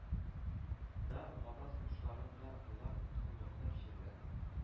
Да, ватан сугышларын да, гулаг тоткынлыгын да кичергән,